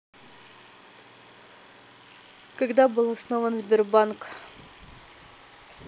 когда был основан сбербанк